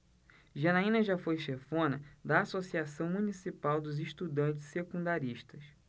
janaina foi chefona da ames associação municipal dos estudantes secundaristas